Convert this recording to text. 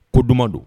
Ko dumanuma don